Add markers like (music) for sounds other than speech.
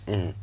(hesitation) (hesitation)